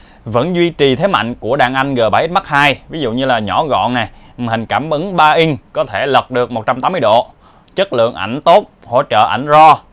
vẫn duy trì thế mạnh của đàn anh g x mark ii ví dụ như nhỏ gọn màn hình cảm ứng có thể lật được độ chất lượng ảnh tốt hỗ trợ ảnh raw